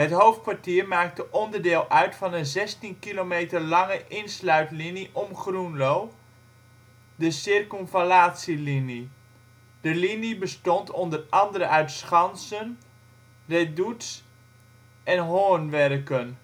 hoofdkwartier maakte onderdeel uit van een 16 kilometer lange insluitlinie om Groenlo, de Circumvallatielinie. De linie bestond onder andere uit schansen, redoutes en hoornwerken